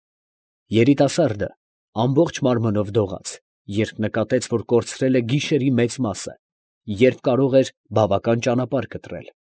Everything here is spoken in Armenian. Երիտասարդը ամբողջ մարմնով դողաց, երբ նկատեց, որ կորցրել է գիշերի մեծ մասը, երբ կարող էր բավական ճանապարհ կտրել։